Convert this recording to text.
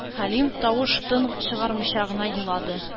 Хәлим тавыш-тын чыгармыйча гына елады.